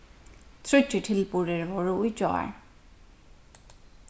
tríggir tilburðir vóru í gjár